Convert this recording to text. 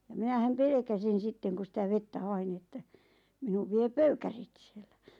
ja minähän pelkäsin sitten kun sitä vettä hain no että minut vie pöykärit siellä